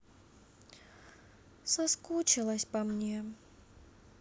соскучилась по мне